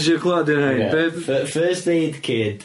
Dwi isio clŵad un o 'hein. Be' 'dd yy... Fir- First Aid Kid.